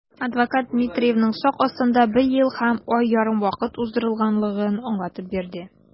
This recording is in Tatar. Адвокат Дмитриевның сак астында бер ел һәм ай ярым вакыт уздырганлыгын аңлатып бирде.